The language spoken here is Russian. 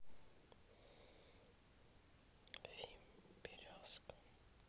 фильм березка